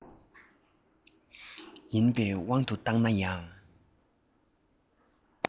ཡིན བའི དབང དུ བཏང ནའང